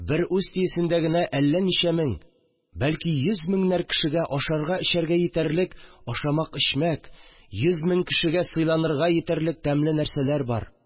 Бер Устиясендә генә әллә ничә мең, бәлки, йөз меңнәр кешегә ашарга-эчәргә җитәрлек ашамак-эчмәк, йөз мең кешегә сыйланырга җитәрлек тәмле нәрсәләр бар